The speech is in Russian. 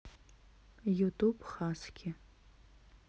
ютуб хаски